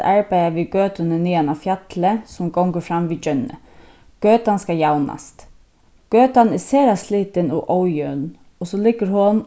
at arbeiða við gøtuni niðan á fjallið sum gongur fram við gjónni gøtan skal javnast gøtan er sera slitin og ójøvn og so liggur hon